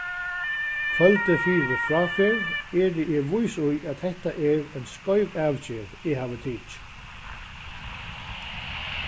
kvøldið fyri fráferð eri eg vís í at hetta er ein skeiv avgerð eg havi tikið